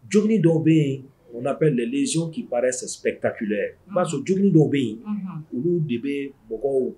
Jugu dɔw bɛ yen o bɛ zo k kibai baara sɛ tafia sɔrɔ jugu dɔw bɛ yen olu de bɛ mɔgɔw